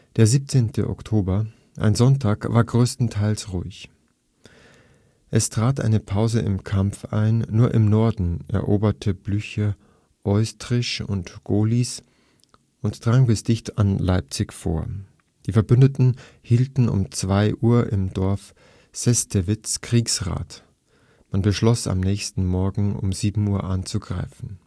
Der 17. Oktober, ein Sonntag, war größtenteils ruhig. Es trat eine Pause im Kampf ein, nur im Norden eroberte Blücher Eutritzsch und Gohlis und drang bis dicht an Leipzig vor. Die Verbündeten hielten um 2 Uhr im Dorf Sestewitz Kriegsrat; man beschloss, am nächsten Morgen um 7 Uhr anzugreifen